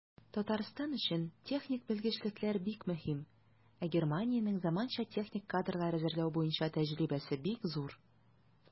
Татарстан өчен техник белгечлекләр бик мөһим, ә Германиянең заманча техник кадрлар әзерләү буенча тәҗрибәсе бик зур.